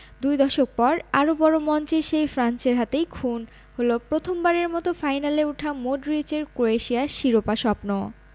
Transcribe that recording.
দুই দশক পর আরও বড় মঞ্চে সেই ফ্রান্সের হাতেই খুন হল প্রথমবারের মতো ফাইনালে ওঠা মডরিচের ক্রোয়েশিয়ার শিরোপা স্বপ্ন